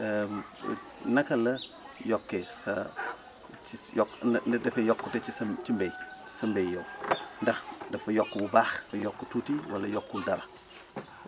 naka la yokkee sa ci yokku na na dafa yokkute si mbay sa mbay yow ndax dafa yokku bu baax dafa yokku tuuti wala yokkul dara